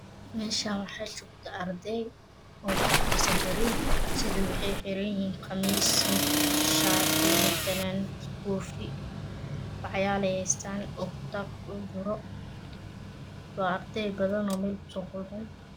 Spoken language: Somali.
Meeshan waxaa joogto arday oo ku fadhiso darin waxay xiran yihiin qamiis mid shaati mid fanaanad koofi waxyaaley hestaan oo kitaabka kitaabka ugu jiro waa arday badanoo melel kuso kulmay